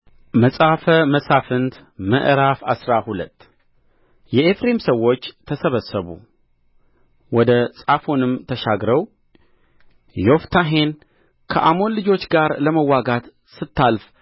መጽሐፈ መሣፍንት ምዕራፍ አስራ ሁለት የኤፍሬም ሰዎች ተሰበሰቡ ወደ ጻፎንም ተሻግረው ዮፍታሔን ከአሞን ልጆች ጋር ለመዋጋት ስታልፍ